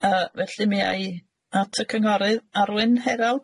Yy felly mi a i at y cynghorydd Arwyn Herald?